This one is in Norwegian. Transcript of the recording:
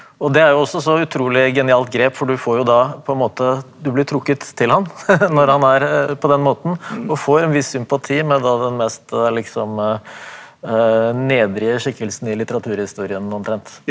og det er jo også så utrolig genialt grep for du får jo da på en måte du blir trukket til han når han er på den måten og får en viss sympati med da den mest liksom nedrige skikkelsen i litteraturhistorien omtrent.